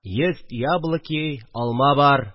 Есть яблоки, алма бар